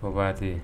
Fɔbaga tɛ yen?